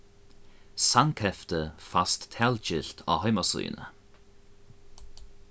sangheftið fæst talgilt á heimasíðuni